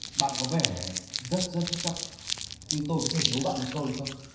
bạn có vẻ rất rất xuất sắc nhưng tôi có thể đố bạn một câu được không